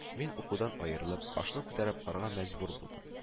Мин, укудан аерылып, башны күтәреп карарга мәҗбүр булдым